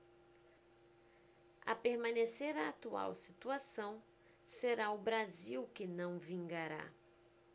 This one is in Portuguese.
a permanecer a atual situação será o brasil que não vingará